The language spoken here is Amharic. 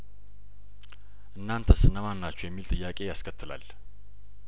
እናንተስ እነማንና ችሁ የሚል ጥያቄ ያስከትላል